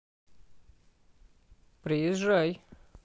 приезжай